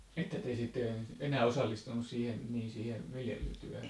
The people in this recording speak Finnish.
ette te sitten enää osallistunut siihen niin siihen viljelyyn